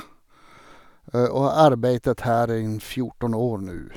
Og har arbeidet her i en fjorten år nå.